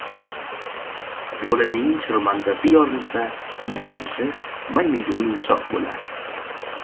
lxj'lining chirmandasi yorilsa gardishi maymunga o'yinchoq bo'lar